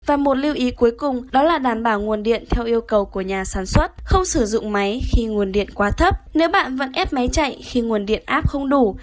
và một lưu ý cuối cùng đó là đảm bảo nguồn điện theo yêu cầu của nhà sản xuất không sử dụng máy khi nguồn điện quá thấp nếu bạn vẫn ép máy chạy khi nguồn điện áp không đủ